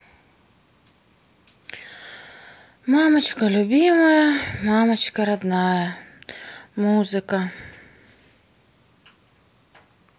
мамочка любимая мамочка родная музыка